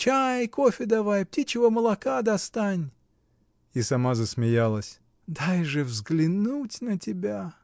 Чай, кофе давай, птичьего молока достань! — И сама засмеялась. — Дай же взглянуть на тебя.